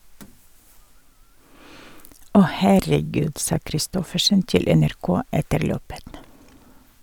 Åh herregud, sa Kristoffersen til NRK etter løpet.